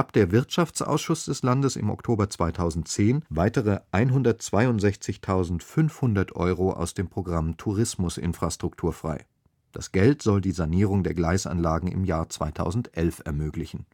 der Wirtschaftsausschuss des Landes im Oktober 2010 weitere 162.500 Euro aus dem Programm Tourismusinfrastruktur frei. Das Geld soll die Sanierung der Gleisanlagen im Jahr 2011 ermöglichen